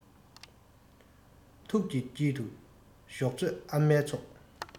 ཐུགས ཀྱི དཀྱིལ དུ ཞོག མཛོད ཨ མའི ཚོགས